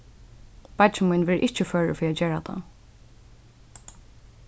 beiggi mín verður ikki førur fyri at gera tað